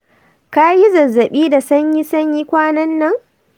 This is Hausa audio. ka yi zazzabi da sanyi sanyi kwanan nan?